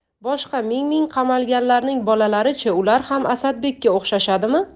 boshqa ming ming qamalganlarning bolalari chi ular ham asadbekka o'xshashadimi